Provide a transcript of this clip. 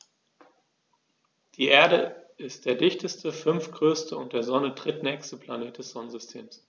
Die Erde ist der dichteste, fünftgrößte und der Sonne drittnächste Planet des Sonnensystems.